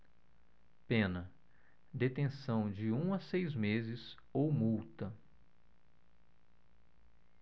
pena detenção de um a seis meses ou multa